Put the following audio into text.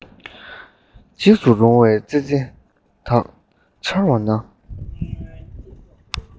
འཇིགས སུ རུང བའི ཙི ཙི དག འཆར བ ན